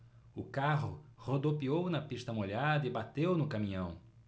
o carro rodopiou na pista molhada e bateu no caminhão